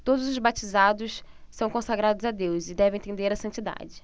todos os batizados são consagrados a deus e devem tender à santidade